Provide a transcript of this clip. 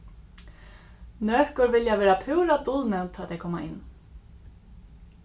nøkur vilja vera púra dulnevnd tá tey koma inn